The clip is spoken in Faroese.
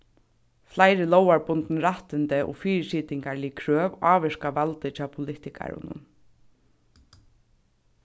fleiri lógarbundin rættindi og fyrisitingarlig krøv ávirka valdið hjá politikarunum